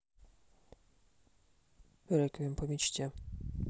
реквием по мечте